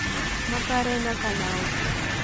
макарена канал